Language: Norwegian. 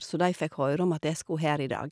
Så de fikk høre om at jeg skulle her i dag.